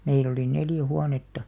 meillä oli neljä huonetta